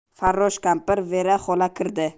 farrosh kampir vera xola kirdi